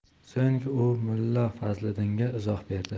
so'ng u mulla fazliddinga izoh berdi